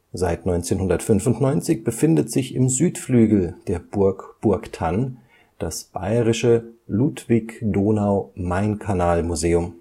Seit 1995 befindet sich im Südflügel der Burg Burgthann das Bayerische Ludwig-Donau-Main-Kanal-Museum